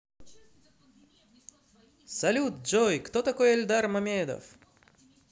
салют джой кто такой эльдар мамедов